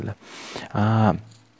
a a a